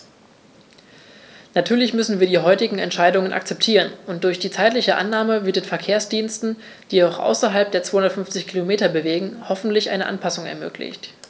Natürlich müssen wir die heutige Entscheidung akzeptieren, und durch die zeitliche Ausnahme wird den Verkehrsdiensten, die sich außerhalb der 250 Kilometer bewegen, hoffentlich eine Anpassung ermöglicht.